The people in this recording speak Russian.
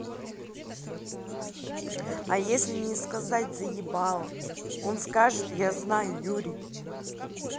а если не сказать заебало он скажет я знаю юрия